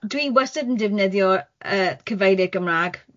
Dwi wastad yn defnyddio yy cyfeiriad Gymrâg